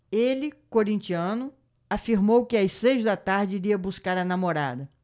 ele corintiano afirmou que às seis da tarde iria buscar a namorada